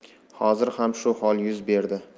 hozir ham shu hol yuz berdi